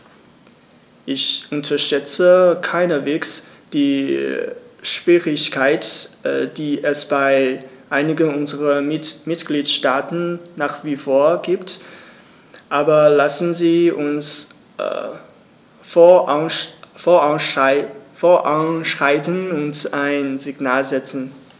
Ich unterschätze keineswegs die Schwierigkeiten, die es bei einigen unserer Mitgliedstaaten nach wie vor gibt, aber lassen Sie uns voranschreiten und ein Signal setzen.